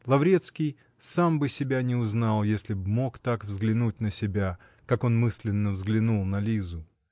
Лаврецкий сам бы себя не узнал, если б мог так взглянуть на себя, как он мысленно взглянул на Лизу.